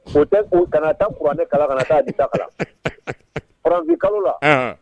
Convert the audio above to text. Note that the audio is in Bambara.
O tɛ k kana da kuranɛ kalan kana' di dakura kuranbi kalo la